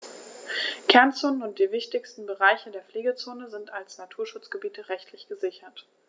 Kernzonen und die wichtigsten Bereiche der Pflegezone sind als Naturschutzgebiete rechtlich gesichert.